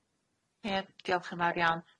Ie diolch yn fawr iawn.